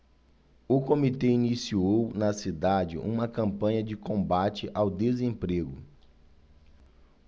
o comitê iniciou na cidade uma campanha de combate ao desemprego